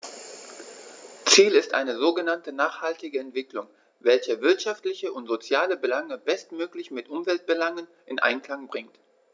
Ziel ist eine sogenannte nachhaltige Entwicklung, welche wirtschaftliche und soziale Belange bestmöglich mit Umweltbelangen in Einklang bringt.